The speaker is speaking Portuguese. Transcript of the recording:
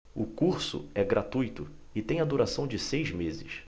o curso é gratuito e tem a duração de seis meses